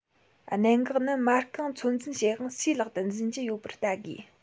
གནད འགག ནི མ རྐང ཚོད འཛིན བྱེད དབང སུའི ལག ཏུ འཛིན གྱི ཡོད པར བལྟ དགོས